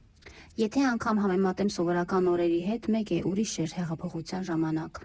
Եթե անգամ համեմատեմ սովորական օրերի հետ, մեկ է՝ ուրիշ էր հեղափոխության ժամանակ։